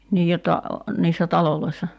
niin jotta niissä taloissa